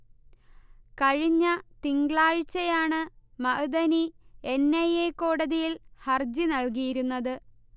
കഴിഞ്ഞ തിങ്കളാഴ്ചയാണ് Madani N. I. A കോടതിയിൽ ഹർജി നൽകിയിരുന്നത്